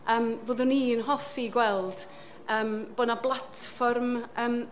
Yym fyddwn i'n hoffi gweld yym bod 'na blatfform yym.